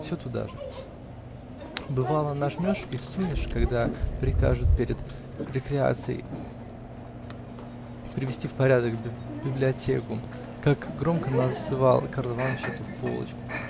все туда же, бывало, нажмешь и всунешь, когда прикажут перед рекреацией привести в порядок библиотеку, как громко называл Карл Иваныч эту полочку.